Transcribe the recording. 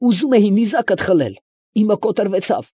Ուզում էի նիզակդ խլել. իմը կոտրվեցավ։